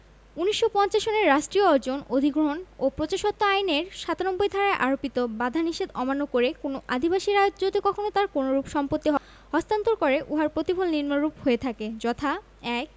১৯৫০ সনের রাষ্ট্রীয় অর্জন অধিগ্রহণ ও প্রজাস্বত্ব আইনের ৯৭ ধারায় আরোপিত বাধানিষেধ অমান্য করে কোনও আদিবাসী রায়ত যদি কখনো তার কোনরূপ সম্পত্তি হস্তান্তর করলে উহার প্রতিফল নিম্নরূপ হয়ে থাকে যথা ১